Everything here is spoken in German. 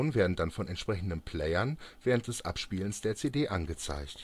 werden dann von entsprechenden Playern während des Abspielens der CD angezeigt